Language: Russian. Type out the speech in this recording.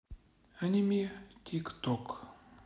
аниме тик ток